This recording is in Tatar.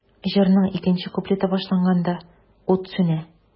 Җырның икенче куплеты башланганда, ут сүнә.